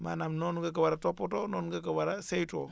maanaam noonu nga ko war a toppatoo noonu nga ko war a saytoo